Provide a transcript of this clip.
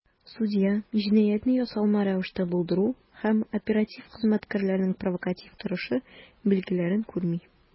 Судья "җинаятьне ясалма рәвештә булдыру" һәм "оператив хезмәткәрләрнең провокатив торышы" билгеләрен күрми.